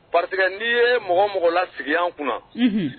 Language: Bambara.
Parce que n'i ye mɔgɔ o mɔgɔ lasigi an kunna, unhun